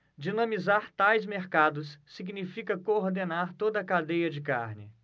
dinamizar tais mercados significa coordenar toda a cadeia da carne